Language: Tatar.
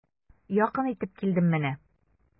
Якын итеп килдем менә.